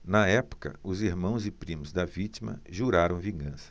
na época os irmãos e primos da vítima juraram vingança